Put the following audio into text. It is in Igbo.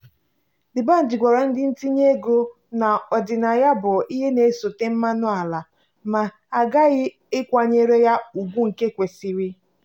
Dbanj gwara ndị ntinye ego na "ọdịnaya bụ ihe na-esote mmanụ ala" ma a ghaghị ịkwanyere ya ùgwù nke kwesịrị.